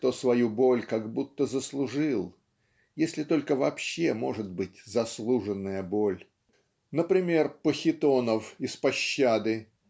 кто свою боль как будто заслужил (если только вообще может быть заслуженная боль). Например Похитонов из "Пощады"